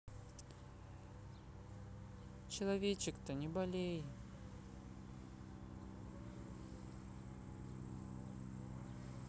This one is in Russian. человечек то не болей